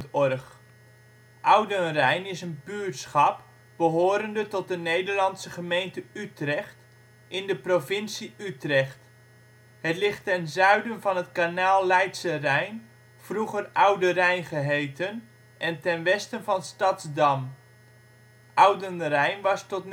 OL Oudenrijn Buurtschap in Nederland Situering Provincie Utrecht Gemeente Utrecht Coördinaten 52° 5′ NB, 5° 4′ OL Portaal Nederland Oudenrijn is een buurtschap behorende tot de Nederlandse gemeente Utrecht, in de provincie Utrecht. Het ligt ten zuiden van het kanaal Leidse Rijn, vroeger Oude Rijn geheten, en ten westen van Stadsdam. Oudenrijn was tot